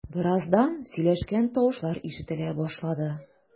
Бераздан сөйләшкән тавышлар ишетелә башлады.